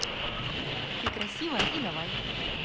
ты красива и давай